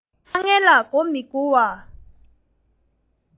དཀའ ངལ ལ མགོ མི སྒུར བ